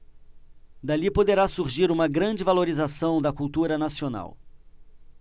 dali poderá surgir uma grande valorização da cultura nacional